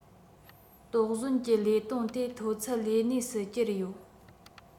དོགས ཟོན གྱི ལས དོན དེ མཐོ ཚད ལས གནས སུ གྱར ཡོད